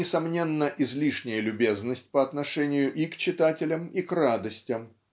несомненно -- излишняя любезность по отношению и к читателям и к радостям